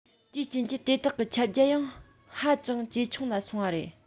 དེའི རྐྱེན གྱིས དེ དག གི ཁྱབ རྒྱ ཡང ཧ ཅང ཇེ ཆུང ལ སོང བ རེད